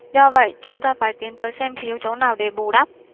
do vậy chúng ta phải tiến tới xem thiếu chỗ nào để bù đắp